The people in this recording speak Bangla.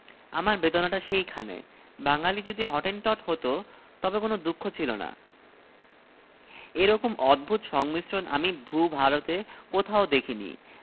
কিন্তু পাতায় পাতায় এমনি জুড়ে গিয়েছে যে রাজা বার বার আঙুল দিয়ে মুখ থেকে থুথু নিয়ে জোড়া ছাড়িয়ে পাতা উল্টোচ্ছেন